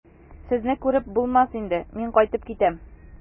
Сезне күреп булмас инде, мин кайтып китәм.